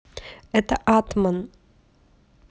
это атман